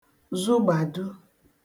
zụgbạdu